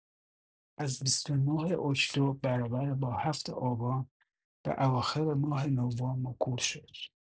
از ۲۹ اکتبر برابر با ۷ آبان به اواخر ماه نوامبر موکول شد!